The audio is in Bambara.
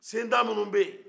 sentan minnu bɛ yen